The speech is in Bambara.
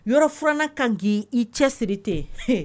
Yɔrɔurannan ka g i cɛ siri tɛ